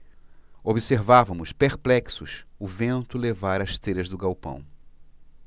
observávamos perplexos o vento levar as telhas do galpão